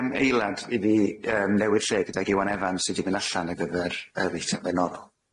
Yn eilad i fi yym newid lle gydag Iwan Evans sy 'di myn' allan o gyfer yy weithia' benodol.